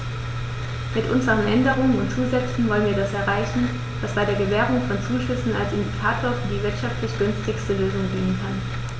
Mit unseren Änderungen und Zusätzen wollen wir das erreichen, was bei der Gewährung von Zuschüssen als Indikator für die wirtschaftlich günstigste Lösung dienen kann.